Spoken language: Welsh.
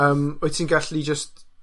Yym wyt ti'n gallu jyst